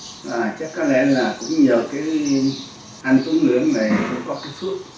rồi chắc có lẽ là cũng nhờ cái anh tuấn nguyễn này cũng có cái phước